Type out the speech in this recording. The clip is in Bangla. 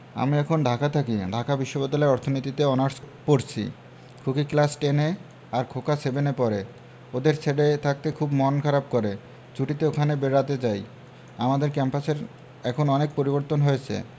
আমি এখন ঢাকা থাকি ঢাকা বিশ্ববিদ্যালয়ে অর্থনীতিতে অনার্স পরছি খুকি ক্লাস টেন এ আর খোকা সেভেন এ পড়ে ওদের ছেড়ে থাকতে খুব মন খারাপ করে ছুটিতে ওখানে বেড়াতে যাই আমাদের ক্যাম্পাসের এখন অনেক পরিবর্তন হয়েছে